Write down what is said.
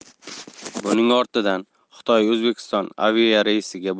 buning ortidan xitoy o'zbekiston aviareysiga